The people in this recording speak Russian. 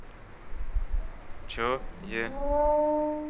че е